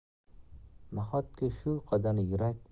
nahotki shu qadar